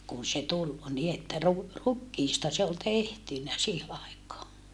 kun se tuli niin että - rukiista se oli tehty siihen aikaan